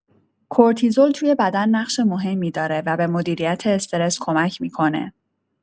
کورتیزول توی بدن نقش مهمی داره و به مدیریت استرس کمک می‌کنه.